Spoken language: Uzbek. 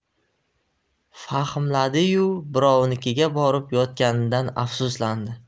fahmladi yu birovnikiga borib yotganidan afsuslandi